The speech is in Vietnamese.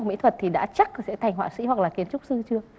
mỹ thuật thì đã chắc là sẽ thành họa sĩ hoặc là kiến trúc sư chưa